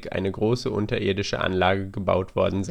eine große unterirdische Anlage gebaut worden